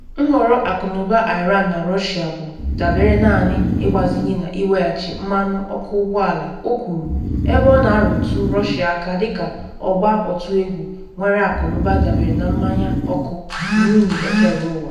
“Nhọrọ akụnụba Iran na Russia bụ, dabere naanị, ịgbazinye na iweghachi mmanụ ọkụ ụgbọ ala,” o kwuru, ebe ọ na-arụtụ Russia aka dị ka “ọgba otu egwu” nwere akụnụba dabere na mmanụ ọkụ na unyi ekereụwa.